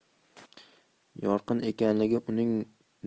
yorqin ekanligi uning nur